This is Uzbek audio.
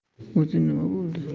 o'zi nima bo'ldi